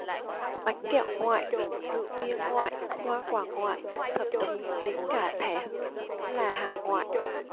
bánh kẹo ngoại rượu bia ngoại hoa quả ngoại thậm chí đến cả thẻ hương cũng là hàng ngoại